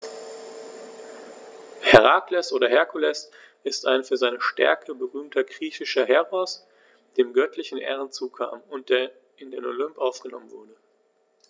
Herakles oder Herkules ist ein für seine Stärke berühmter griechischer Heros, dem göttliche Ehren zukamen und der in den Olymp aufgenommen wurde.